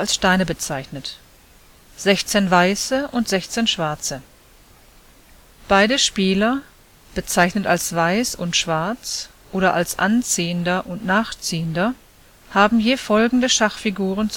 Steine bezeichnet), 16 weiße und 16 schwarze. Beide Spieler (bezeichnet als Weiß und Schwarz oder als Anziehender und Nachziehender) haben je folgende Schachfiguren